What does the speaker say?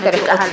na cikaxa le